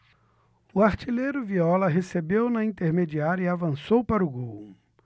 o artilheiro viola recebeu na intermediária e avançou para o gol